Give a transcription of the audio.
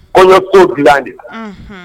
Kɔɲɔ ko dilan de la